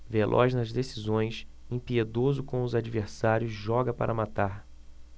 veloz nas decisões impiedoso com os adversários joga para matar